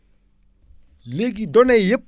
léegi données yëpp